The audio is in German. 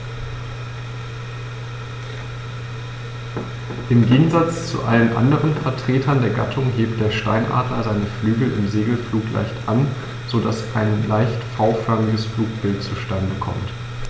Im Gegensatz zu allen anderen Vertretern der Gattung hebt der Steinadler seine Flügel im Segelflug leicht an, so dass ein leicht V-förmiges Flugbild zustande kommt.